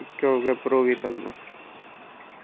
ikkovga birov botolmas